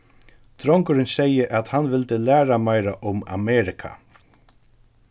drongurin segði at hann vildi læra meira um amerika